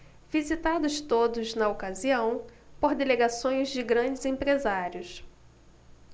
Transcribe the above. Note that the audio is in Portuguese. visitados todos na ocasião por delegações de grandes empresários